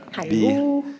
hallo.